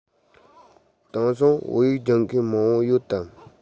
དེང སང བོད ཡིག སྦྱོང མཁན མང པོ ཡོད དམ